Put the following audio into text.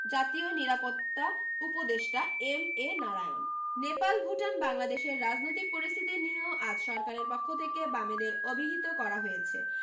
জাতীয় নিরাপত্তা উপদেষ্টা এম এ নারায়ণন নেপাল ভুটান বাংলাদেশের রাজনৈতিক পরিস্থিতি নিয়েও আজ সরকারের পক্ষ থেকে বামেদের অবহিত করা হয়েছে